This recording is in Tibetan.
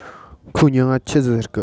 ཁོའི མྱིང ང ཆི ཟེར གི